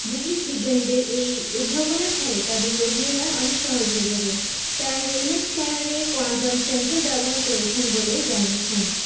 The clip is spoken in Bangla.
ব্রিটিশ বিজ্ঞানীদের এই উদ্ভাবনের ফলে তাদের রোগনির্নয় অনেক সহজ হয়ে যাবে তারা এই হেলমেট স্ক্যানারে কোয়ান্টাম সেন্সর ব্যবহার করেছেন বলে জানিয়েছেন